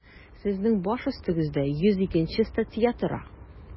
Сезнең баш өстегездә 102 нче статья тора.